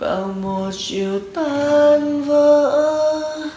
vào một chiều tan vỡ